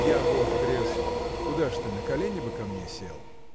– Я был в креслах, куда ж ты, на колени бы ко мне сел?